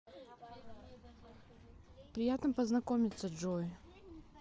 приятно познакомиться джой